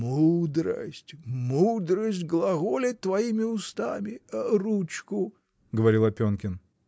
— Мудрость, мудрость глаголет твоими устами: ручку. — говорил Опенкин.